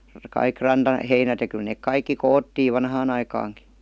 kaikki rantaheinät ja kyllä ne kaikki koottiin vanhaan aikaankin